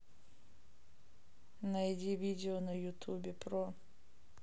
найди видео на ютубе про